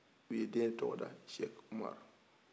u ye den tɔgɔ da sɛkumaru